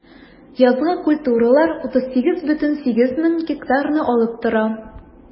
Язгы культуралар 38,8 мең гектарны алып тора.